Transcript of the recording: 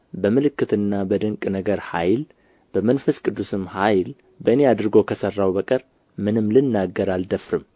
በምልክትና በድንቅ ነገር ኃይል በመንፈስ ቅዱስም ኃይል በእኔ አድርጎ ከሠራው በቀር ምንም ልናገር አልደፍርም